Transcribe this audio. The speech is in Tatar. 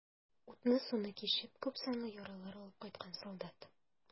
Утны-суны кичеп, күпсанлы яралар алып кайткан солдат.